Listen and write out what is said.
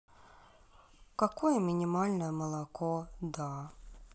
какое минимальное молоко да